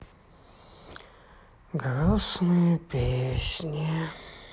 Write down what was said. грустные песни